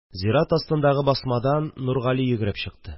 Зират астындагы басмадан Нургали йөгереп чыкты